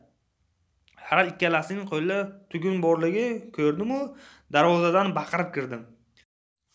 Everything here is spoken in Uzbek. har ikkalasining qo'lida tugun borligini ko'rdimu darvozadan baqirib kirdim